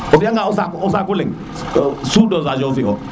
o fi a nga o kaaku leng sur dosage o fiʼo